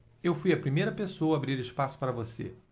eu fui a primeira pessoa a abrir espaço para você